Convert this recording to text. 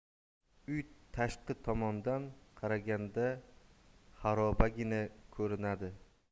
uy tashqi tomondan qaraganda xarobgina ko'rinadi